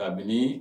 Kabini